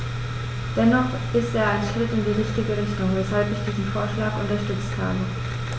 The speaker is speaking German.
Dennoch ist er ein Schritt in die richtige Richtung, weshalb ich diesen Vorschlag unterstützt habe.